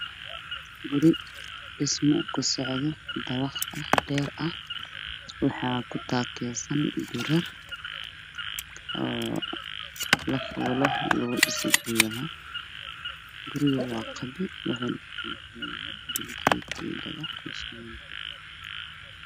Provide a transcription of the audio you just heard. Waa guri dhismo ku socdo oo dabaq dheer ah waxaa kutaakeysan birar oo alwaax lugu dhisay waa guri qabyo ah oo kasameysan bulukeeti, dhagax, shamiito.